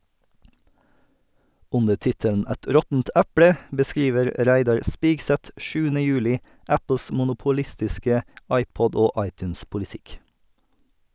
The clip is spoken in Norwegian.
Under tittelen «Et råttent eple» beskriver Reidar Spigseth 7. juli Apples monopolistiske iPod- og iTunes-politikk.